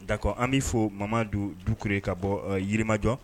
Dakɔ an b'i fɔ mama don duure ka bɔ yirimajɔ